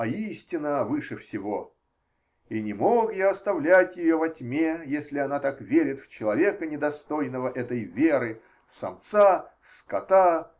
А истина выше всего, и не мог я оставлять ее во тьме, если она так верит в человека, недостойного этой веры, в самца, скота.